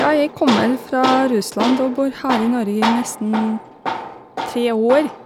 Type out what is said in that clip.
Ja, jeg kommer fra Russland og bor her i Norge i nesten tre år.